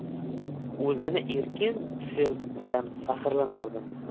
o'zini erkin tutishi bilan faxrlanardim